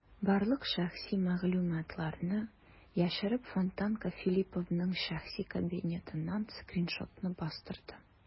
Барлык шәхси мәгълүматларны яшереп, "Фонтанка" Филипповның шәхси кабинетыннан скриншотны бастырды.